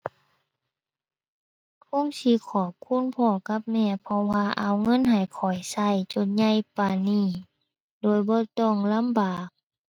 คงสิขอบคุณพ่อกับแม่ เพราะว่าเอาเงินให้ข้อยใช้จนใหญ่ปานนี้ โดยบ่ต้องลำบาก